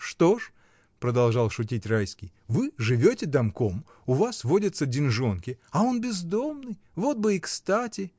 — Что ж, — продолжал шутить Райский, — вы живете домком, у вас водятся деньжонки, а он бездомный. вот бы и кстати.